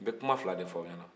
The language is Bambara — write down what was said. n bɛ kuma fila de f'aw ɲɛna